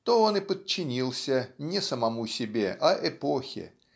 то он и подчинился не самому себе а эпохе